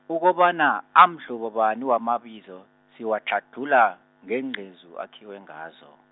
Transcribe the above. ukobana, amhlobo bani wamabizo, siwatlhadlhula, ngeengcezu akhiwe ngazo.